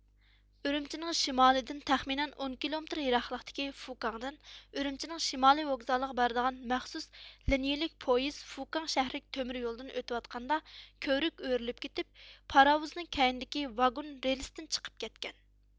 ئۈرۈمچىنىڭ شىمالىدىن تەخمىنەن ئون كىلومېتىر يىراقلىقتىكى فۇكاڭدىن ئۈرۈمچىنىڭ شىمالىي ۋوگزالىغا بارىدىغان مەخسۇس لىنيىلىك پويىز فۇكاڭ شەھىرى تۆمۈر يولىدىن ئۆتۈۋاتقاندا كۆۋرۈك ئۆرۈلۈپ كېتىپ پاراۋۇزنىڭ كەينىدىكى ۋاگۇن رېلىستىن چىقىپ كەتكەن